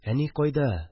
Әни кайда